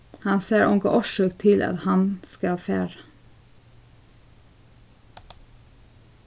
hann sær onga orsøk til at hann skal fara